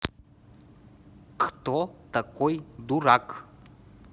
кто такой дурак